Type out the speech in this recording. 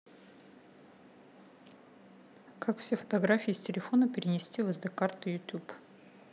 как все фотографии с телефона перенести в sd карту youtube